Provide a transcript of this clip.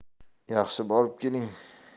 yaxshi borib keling